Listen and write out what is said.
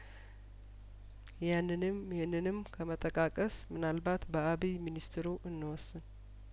ያንንም ይኸንንም ከመጠቃቀስ ምናልባት በአቢይ ሚኒስትሩ እንወስን